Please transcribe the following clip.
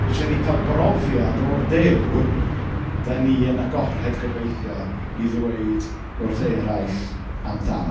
Ma' isie ni gael brofiad o'r Duw dan ni yn agored gobeithio, i ddweud wrth eraill amdano.